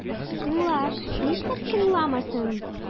Тыңлар, нишләп тыңламасын?